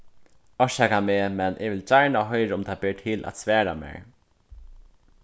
orsaka meg men eg vil gjarna hoyra um tað ber til at svara mær